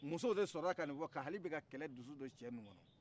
musow de sɔrɔla ka nin fɔ hali ka kɛlɛ dusu don cɛw kɔnɔ